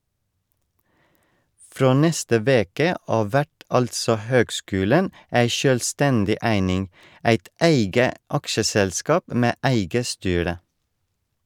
Frå neste veke av vert altså høgskulen ei sjølvstendig eining, eit eige aksjeselskap med eige styre.